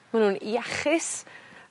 Ma' nw'n iachus